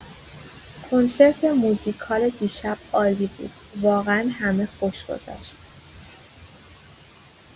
کنسرت موزیکال دیشب عالی بود، واقعا همه خوش گذشت.